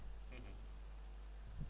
dëgg la